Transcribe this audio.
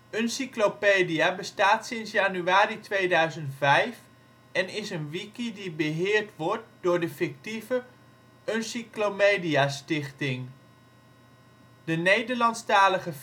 Uncyclopedia bestaat sinds januari 2005 en is een wiki die beheerd wordt door de fictieve ' Uncyclomediastichting '. De Nederlandstalige versie